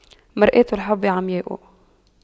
مرآة الحب عمياء